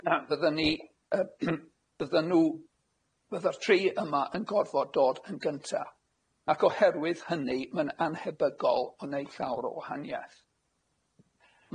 A fyddan ni, yy fyddan nhw. Fydda'r tri yma yn gorfod dod yn gynta, ac oherwydd hynny ma'n anhebygol o neu' llawer o wahaniaeth.